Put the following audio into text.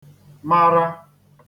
mara